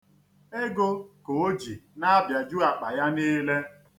Ego ka o ji na-abịaju akpa ya niile.